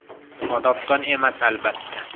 odobdan emas albatta